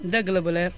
dëgg la bu leer